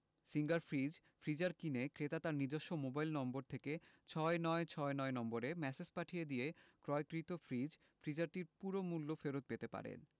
singer fridge freezer কিনে ক্রেতা তার নিজস্ব মোবাইল নম্বর থেকে ৬৯৬৯ নম্বরে ম্যাসেজ পাঠিয়ে দিয়ে ক্রয়কৃত ফ্রিজ ফ্রিজারটির পুরো মূল্য ফেরত পেতে পারেন